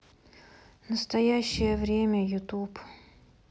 настоящее время ютуб